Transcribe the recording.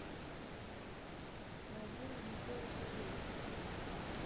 найди ледниковый период